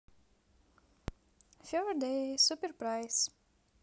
third day супер прайс